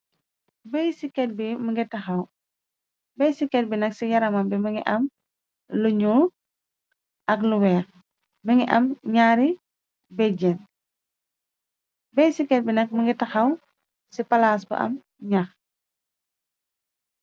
Béy ci ket bi nag ci yaramam bi mingi am luñu ak luweex mi ngi am ñaari beijin bey ci ket bi nag mëngi taxaw ci palaas bu am ñax.